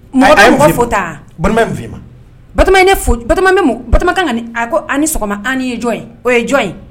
Kga a ye mɔgɔ fo tan. Batɔma ye ne fo, Batɔma bi . Batɔma kan ka , a ko ani sɔgɔma . A ni ye jɔn ye ? O ye jɔn ye?